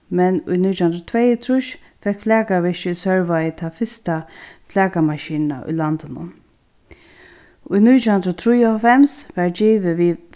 men í nítjan hundrað og tveyogtrýss fekk flakavirkið í sørvági tað fyrsta flakamaskinuna í landinum í nítjan hundrað og trýoghálvfems varð givið við